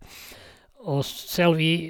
Og selv i...